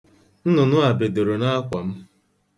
Nnụnụ a bedoro n'elu akwa m.